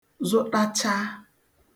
zụṭachaa